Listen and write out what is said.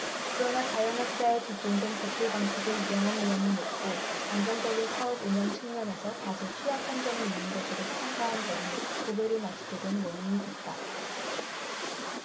그러나 자영업자에 집중된 대출방식의 영업위험이 높고 안정적인 사업운영 측면에서 다소 취약한 점이 있는 것으로 평가한 점이 고배를 마시게 된 원인이 됐다